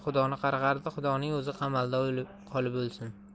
xudoni qarg'ardi xudoning o'zi qamalda qolib o'lsin